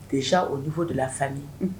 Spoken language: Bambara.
deja au niveau de famiille